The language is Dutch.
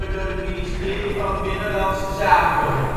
door het Ministerie van Binnenlandse Zaken